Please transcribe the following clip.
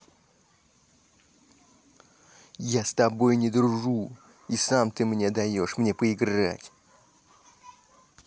я с тобой не дружу и сам ты мне даешь мне поиграть